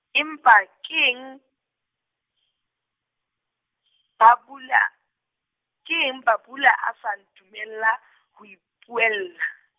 empa ke eng, Bhabula, ke eng Bhabula a sa ntumella , ho ipuella.